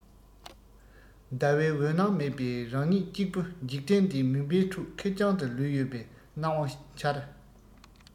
ཟླ བའི འོད སྣང མེད པས རང ཉིད གཅིག པུ འཇིག རྟེན འདིའི མུན པའི ཁྲོད ཁེར རྐྱང དུ ལུས ཡོད པའི སྣང བ འཆར